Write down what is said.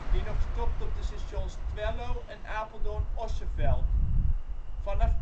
die nog stopt op de stations Twello en Apeldoorn-Osseveld Vanaf